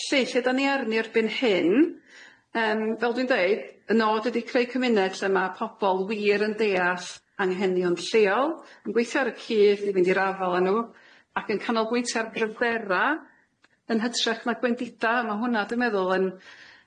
Felly lle 'dan ni arni erbyn hyn? Yym fel dwi'n deud y nod ydi creu cymuned lle ma' pobol wir yn deall anghenion lleol, yn gweithio ar y cyd i fynd i'r afal â nhw ac yn canolbwyntio ar gryfdera yn hytrach na gwendida, ma' hwnna dwi'n meddwl yn